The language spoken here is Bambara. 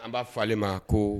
An b'a fɔ ale ma ko